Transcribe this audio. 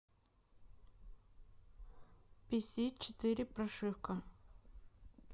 ps четыре прошивка